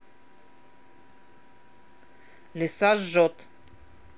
лиса жжет